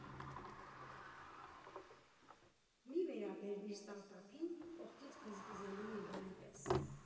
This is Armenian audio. Մի՛ վերաբերվիր ստարտափին կողքից բզբզելու մի բանի պես։